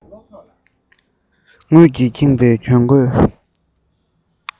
རྡུལ གྱིས ཁེངས པའི གྱོན གོས